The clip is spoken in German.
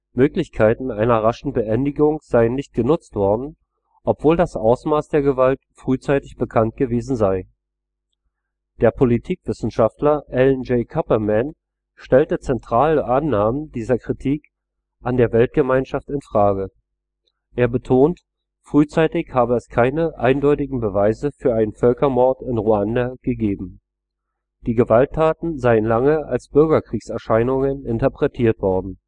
Möglichkeiten einer raschen Beendigung seien nicht genutzt worden, obwohl das Ausmaß der Gewalt frühzeitig bekannt gewesen sei. Der Politikwissenschaftler Alan J. Kuperman stellte zentrale Annahmen dieser Kritik an der Weltgemeinschaft in Frage. Er betont, frühzeitig habe es keine eindeutigen Beweise für einen Völkermord in Ruanda gegeben. Die Gewalttaten seien lange als Bürgerkriegserscheinungen interpretiert worden